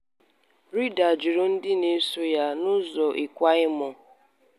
Reyder jụrụ ndị na-eso ya n'ụzọ ịkwa emo.